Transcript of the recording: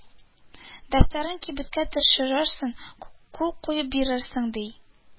Дәфтәрен кибеткә төшерерсең, кул куеп бирермен», – ди